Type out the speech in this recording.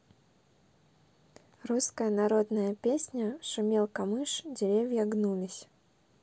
русская народная песня шумел камыш деревья гнулись